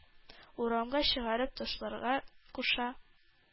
Урамга чыгарып ташларга куша.